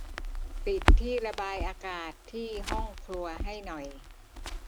ปิดที่ระบายอากาศที่ห้องครัวให้หน่อย